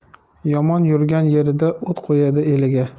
yomon yurgan yerida o't qo'yadi eliga